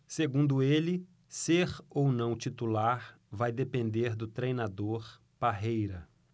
segundo ele ser ou não titular vai depender do treinador parreira